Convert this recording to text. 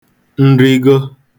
nrịgo